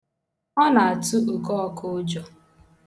Ọ na-atụ okọọkụ ụjọ.